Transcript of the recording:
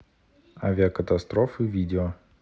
авиакатастрофы видео